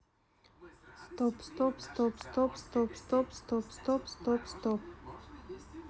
стоп стоп стоп стоп стоп стоп стоп стоп стоп стоп